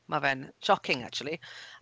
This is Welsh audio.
Mae fe'n shocking acshyli .